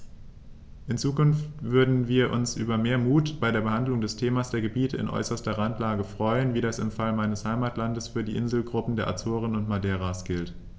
In Zukunft würden wir uns über mehr Mut bei der Behandlung des Themas der Gebiete in äußerster Randlage freuen, wie das im Fall meines Heimatlandes für die Inselgruppen der Azoren und Madeiras gilt.